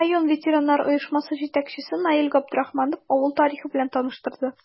Район ветераннар оешмасы җитәкчесе Наил Габдрахманов авыл тарихы белән таныштырды.